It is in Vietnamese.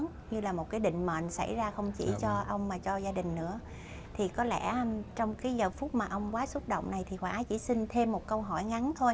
như là một cái định mệnh xảy ra không chỉ cho ông mà cho gia đình nữa thì có lẽ trong khi giờ phút mà ông quá xúc động này thì hòa ái chỉ xin thêm một câu hỏi ngắn thôi